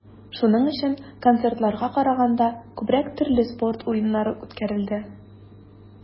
Шуның өчен, концертларга караганда, күбрәк төрле спорт уеннары үткәрелде.